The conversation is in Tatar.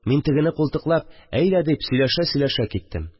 Мин тегене култыклап, әйдә, дип сөйләшә-сөйләшә киттем